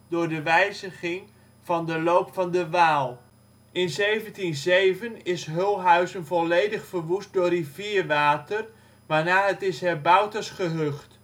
door de wijziging van de loop van de waal. In 1707 is Hulhuizen volledig verwoest door rivierwater waarna het is herbouwd als gehucht